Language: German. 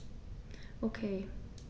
Okay.